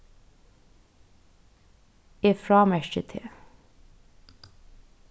eg frámerki teg